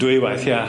Dwy waith, ia.